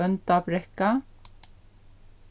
bóndabrekka